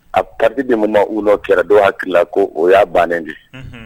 A papidmu u la kɛra don aki la ko o y'a bannen de